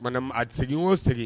A segin'o sigi